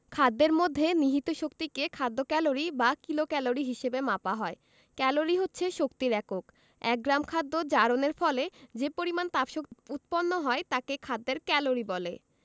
খাদ্যের মধ্যে নিহিত শক্তিকে খাদ্য ক্যালরি বা কিলোক্যালরি হিসেবে মাপা হয় ক্যালরি হচ্ছে শক্তির একক এক গ্রাম খাদ্য জারণের ফলে যে পরিমাণ তাপশক্তি উৎপন্ন হয় তাকে খাদ্যের ক্যালরি বলে